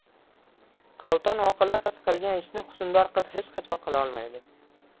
kolton oqila qiz qilgan ishni husndor qiz hech qachon qilolmaydi